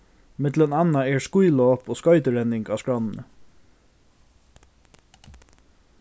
millum annað er skílop og skoyturenning á skránni